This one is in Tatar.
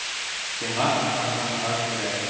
Сиңа ышанганга күрә.